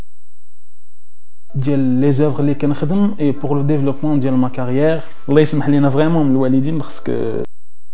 قل للذي وخليك ناخذ يبغوا ولا يسمح لنا فيهم الوالدين